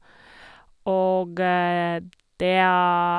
Og det er...